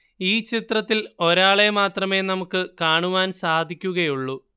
ഈ ചിത്രത്തിൽ ഒരാളെ മാത്രമേ നമുക്ക് കാണുവാൻ സാധിക്കുകയുള്ളൂ